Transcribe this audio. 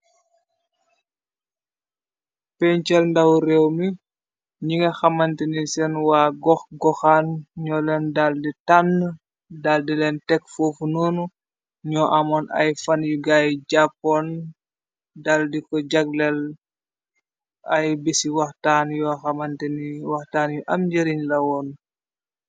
pencel ndawu réew mi ñi nga xamante ni seen waa goxaan ñoo leen dal di tànn dal di leen tek foofu noonu ñoo amoon ay fan yu gaay jàppoon dal di ko jaglel ay bisi axtaan yoo xamante ni waxtaan yu am njëriñ lawoon.